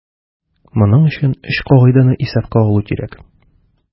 Моның өчен өч кагыйдәне исәпкә алу кирәк.